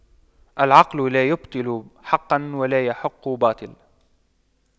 العاقل لا يبطل حقا ولا يحق باطلا